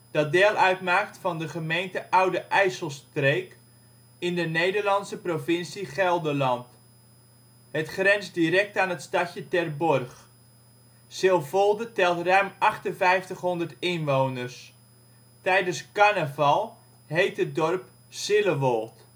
dat deel uitmaakt van de gemeente Oude IJsselstreek (voorheen: gemeente Wisch) in de Nederlandse provincie Gelderland; het grenst direct aan het stadje Terborg. Silvolde telt ruim 5800 inwoners. Tijdens carnaval heet het dorp Zillewold